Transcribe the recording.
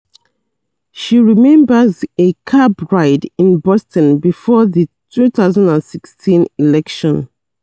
She remembers a cab ride in Boston before the 2016 election.